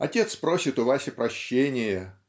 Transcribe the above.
Отец просит у Васи прощения